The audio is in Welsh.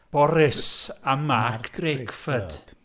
Boris a Mark Drakeford.